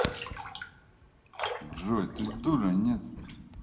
джой ты дура нет